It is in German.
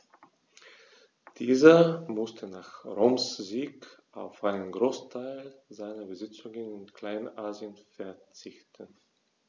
Dieser musste nach Roms Sieg auf einen Großteil seiner Besitzungen in Kleinasien verzichten.